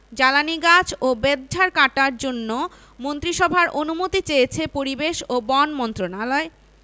জ্বালানি গাছ ও বেতঝাড় কাটার জন্য মন্ত্রিসভার অনুমতি চেয়েছে পরিবেশ ও বন মন্ত্রণালয়